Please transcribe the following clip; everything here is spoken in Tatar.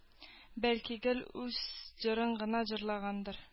Бәлки, гел үз җырын гына җырлагандыр